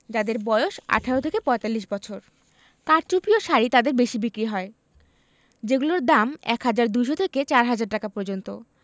যাঁদের বয়স ১৮ থেকে ৪৫ বছর কারচুপি ও শাড়ি তাঁদের বেশি বিক্রি হয় যেগুলোর দাম ১ হাজার ২০০ থেকে ৪ হাজার টাকা পর্যন্ত